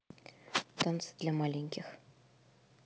танцы для маленьких